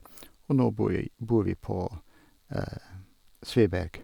Og nå bo vi bor vi på Sveberg.